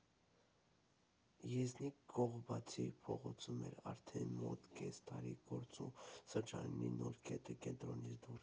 Եզնիկ Կողբացի փողոցում արդեն մոտ կես տարի գործող սրճարանի նոր կետը՝ Կենտրոնից դուրս։